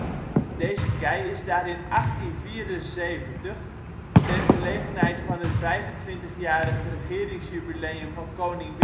Deze kei is daar in 1874, ter gelegenheid van het 25-jarig regeringsjubileum van koning